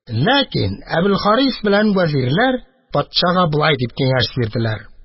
Ләкин Әбелхарис белән вәзирләр патшага болай дип киңәш бирделәр